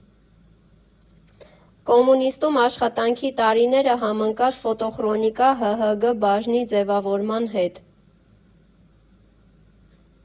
«Կոմունիստում» աշխատանքի տարիները համընկան «Ֆոտոխրոնիկա֊ՀՀԳ» բաժնի ձևավորման հետ։